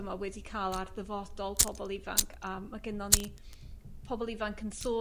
yma wedi ca'l ar ddyfodol pobl ifanc a ma' gynnon ni pobl ifanc yn sôn